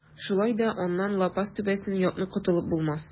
Шулай да аннан лапас түбәсен япмый котылып булмас.